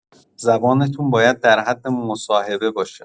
زبانتون باید در حد مصاحبه باشه.